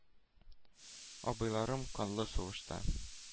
Абыйларым канлы сугышта